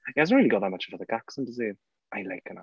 He hasn't really got that much of a thick accent, does he? I like an ac-.